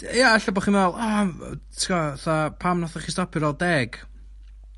Ia ella bo' chi'n me'wl, yym w- ti'n gwyo fatha pam natho chi stopio ar ôl deg?